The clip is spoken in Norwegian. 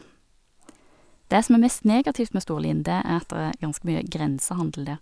Det som er mest negativt med Storlien, det er at der er ganske mye grensehandel der.